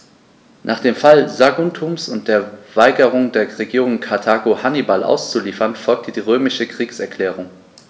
Nach dem Fall Saguntums und der Weigerung der Regierung in Karthago, Hannibal auszuliefern, folgte die römische Kriegserklärung.